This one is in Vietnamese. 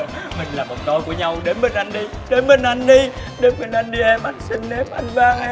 mừn là một đôi của nhau đến bên anh đi đến bên anh đi đến bên anh đi em anh xin em anh van em